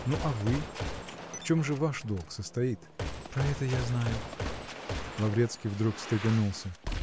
Ну, а вы -- в чем же ваш долг состоит? -- Про это я знаю. Лаврецкий вдруг встрепенулся.